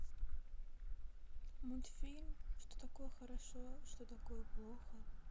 мультфильм что такое хорошо что такое плохо